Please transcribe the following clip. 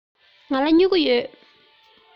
ང ལ སྨྱུ གུ ཡོད